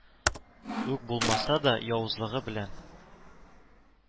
Үк булмаса да, явызлыгы белән